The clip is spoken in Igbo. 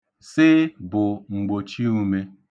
'S' bụ mgbochiume.